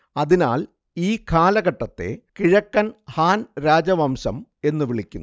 അതിനാൽ ഈ കാലഘട്ടത്തെ കിഴക്കൻ ഹാൻ രാജവംശം എന്നു വിളിക്കുന്നു